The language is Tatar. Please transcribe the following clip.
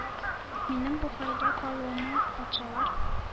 — минем бу хәлгә калуыма патшалар,